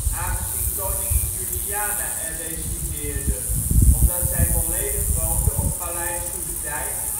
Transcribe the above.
aangezien Koningin Juliana er resideerde, omdat zij volledig woonde op Paleis Soestdijk